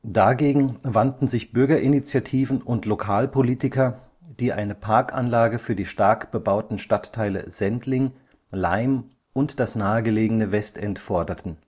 Dagegen wandten sich Bürgerinitiativen und Lokalpolitiker, die eine Parkanlage für die stark bebauten Stadtteile Sendling, Laim und das nahe gelegene Westend forderten